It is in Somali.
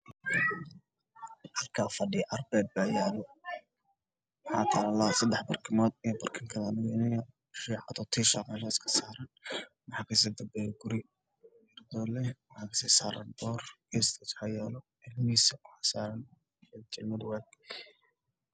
Waa qol fadhi ah waxaa saaran sedax barkimood